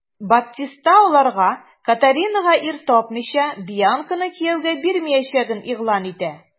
Баптиста аларга, Катаринага ир тапмыйча, Бьянканы кияүгә бирмәячәген игълан итә.